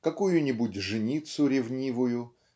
какую-нибудь жницу ревнивую